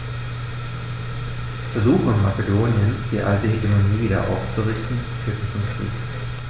Versuche Makedoniens, die alte Hegemonie wieder aufzurichten, führten zum Krieg.